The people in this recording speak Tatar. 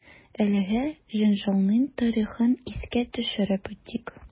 Әлеге җәнҗалның тарихын искә төшереп үтик.